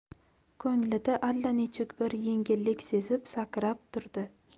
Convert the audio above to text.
ko'nglida allanechuk bir yengillik sezib sakrab turdi